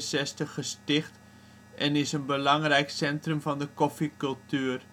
1863 gesticht, en is een belangrijk centrum van de koffiecultuur